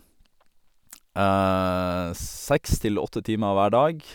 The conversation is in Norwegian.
Seks til åtte timer hver dag.